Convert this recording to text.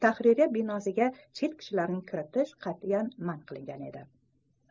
tahririya binosiga chet kishilarni kiritish qat'iyan man qilingan edi